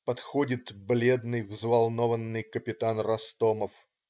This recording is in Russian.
Подходит бледный, взволнованный капитан Ростомов.